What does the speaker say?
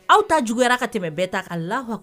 Aw ta juguyayara ka tɛmɛ bɛɛ ta' lakɔ